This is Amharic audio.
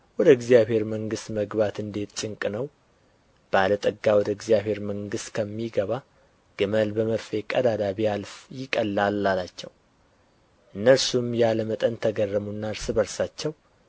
ወደ እግዚአብሔር መንግሥት መግባት እንዴት ጭንቅ ነው ባለ ጠጋ ወደ እግዚአብሔር መንግሥት ከሚገባ ግመል በመርፌ ቀዳዳ ቢያልፍ ይቀላል አላቸው እነርሱም ያለ መጠን ተገረሙና እርስ በርሳቸው